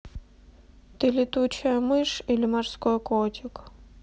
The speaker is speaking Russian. ты летучая мышь или морской котик